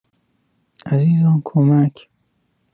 عزیزان کمک